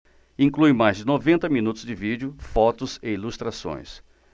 inclui mais de noventa minutos de vídeo fotos e ilustrações